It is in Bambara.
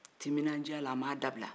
timinandiya la a ma dabila